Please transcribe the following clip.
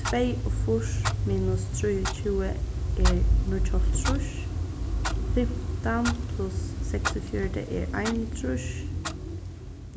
tveyogfýrs minus trýogtjúgu er níggjuoghálvtrýss fimtan pluss seksogfjøruti er einogtrýss